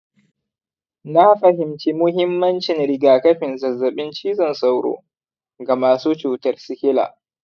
na fahimci muhimmancin rigakafin zazzaɓin cizon sauro ga masu cutar sikila.